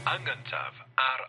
Yn gyntaf, ar...